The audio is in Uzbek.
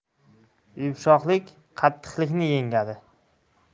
yumshoqlik qattiqlikni yengadi